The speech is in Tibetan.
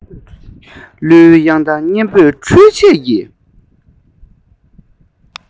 གླུའི དབྱངས རྟ སྙན མོས འཕྲུལ ཆས ཀྱི